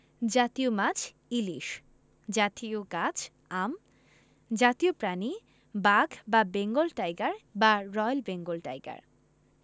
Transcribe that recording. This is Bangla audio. জাতীয় মাছঃ ইলিশ জাতীয় গাছঃ আম জাতীয় প্রাণীঃ বাঘ বা বেঙ্গল টাইগার বা রয়েল বেঙ্গল টাইগার